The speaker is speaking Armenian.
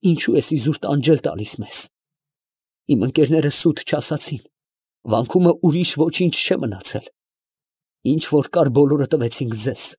Ինչո՞ւ ես իզուր տանջել տալիս մեզ։ Իմ ընկերները սուտ չասացին, վանքումը ուրիշ ոչինչ չէ մնացել. ինչ որ կար, բոլորը տվեցինք ձեզ։